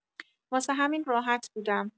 واسه همین راحت بودم.